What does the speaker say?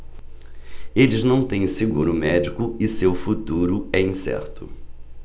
eles não têm seguro médico e seu futuro é incerto